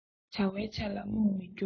བྱ བའི ཆ ལ རྨོངས མི འགྱུར